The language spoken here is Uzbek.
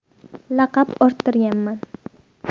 laqab orttirganman